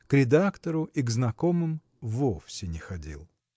К редактору и к знакомым вовсе не ходил.